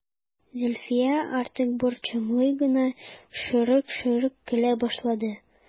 Зөлфия, артык борчылмый гына, шырык-шырык көлә башлады.